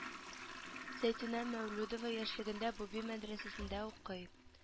Зәйтүнә мәүлүдова яшьлегендә буби мәдрәсәсендә укый